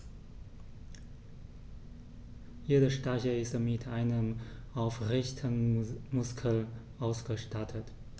Jeder Stachel ist mit einem Aufrichtemuskel ausgestattet.